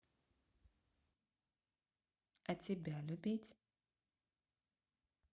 а тебя любить